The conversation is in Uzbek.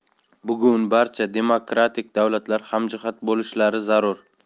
bugun barcha demokratik davlatlar hamjihat bo'lishlari zarur